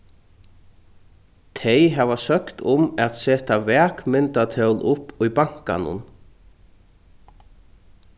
tey hava søkt um at seta vakmyndatól upp í bankanum